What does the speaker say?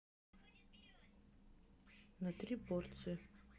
на три порции